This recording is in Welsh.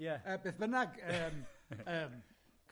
Ie. Yy beth bynnag yym yym